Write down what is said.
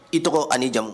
I tɔgɔ ani ni jamumu